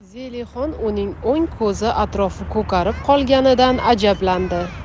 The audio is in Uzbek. zelixon uning o'ng ko'zi atrofi ko'karib qolganidan ajablandi